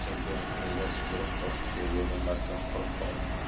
chempionlar ligasi guruh bosqichi yo'llanmasidan quruq qoldi